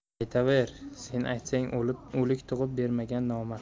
aytaver sen aytsang o'lik tug'ib bermagan nomard